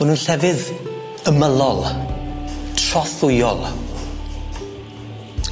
Ma' n'w'n llefydd ymylol, trothwyol